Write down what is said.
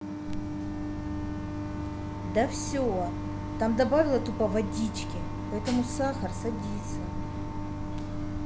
да все там добавила тупо водички поэтому сахар садится